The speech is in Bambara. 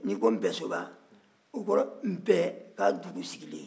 n'i ko npesoba o kɔrɔ ye npɛ ka dugu sigilen